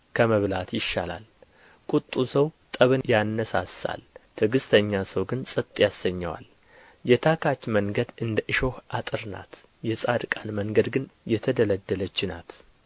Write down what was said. ከመብላት ይሻላል ቍጡ ሰው ጠብን ያነሣሣል ትዕግሥተኛ ሰው ግን ጸጥ ያሰኘዋል የታካች መንገድ እንደ እሾህ አጥር ናት የጻድቃን መንገድ ግን የተደላደለች ናት